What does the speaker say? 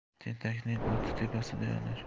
tentakning o'ti tepasida yonar